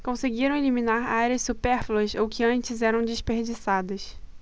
conseguiram eliminar áreas supérfluas ou que antes eram desperdiçadas